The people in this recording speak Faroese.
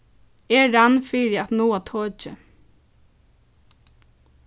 eg rann fyri at náa tokið